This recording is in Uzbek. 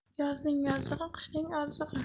yozning yozig'i qishning ozig'i